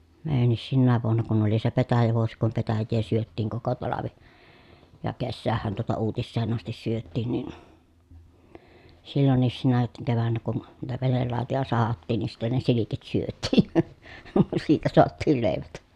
meidänkin sinäkin vuonna kun oli se petäjävuosi kun petäjää syötiin koko talvi ja kesäähän tuota uutiseen asti syötiin niin silloinkin sinä keväänä kun niitä venelautoja sahattiin niin sitten ne silkit syötiin siitä saatiin leivät